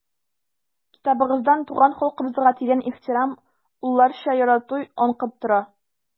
Китабыгыздан туган халкыбызга тирән ихтирам, улларча ярату аңкып тора.